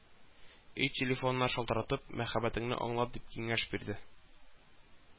Өй телефонына шалтыратып мәхәббәтеңне аңлат, дип киңәш бирде